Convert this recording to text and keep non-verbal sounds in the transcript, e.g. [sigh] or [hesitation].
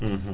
[hesitation] [hesitation]